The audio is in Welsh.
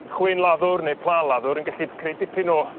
chwyn laddwr neu pla laddwr yn gallu creu dipyn o